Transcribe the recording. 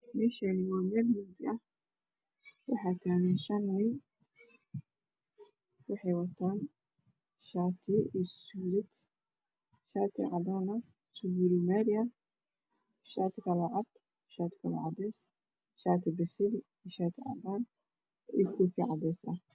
Meesha waaa meel mugdi ah waxaa taagan shan nin waxay wataan shaatiyo iyo suudad shaati cadaan ah mid bulug mari shati kaloo cad shati kaloo cades shati basali shati cadaan iyo koofi cadees ah